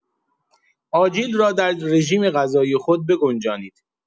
آجیل را در رژیم‌غذایی خود بگنجانید.